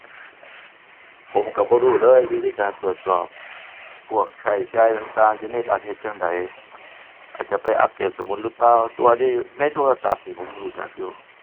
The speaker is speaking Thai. ผมก็บ่รู้เลยวิธีการตรวจสอบพวกค่าใช้จ่ายต่างต่างอยู่ในบัตรเฮ็ดจั่งใด อาจจะไปอัปเกรดสมุดหรือเปล่า แต่ว่าตัวในโทรศัพท์นี่ผมรู้จักอยู่